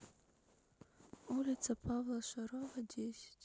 улица павла шарова десять